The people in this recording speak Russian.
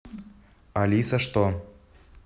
алиса что